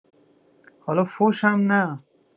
حالا فحشم نه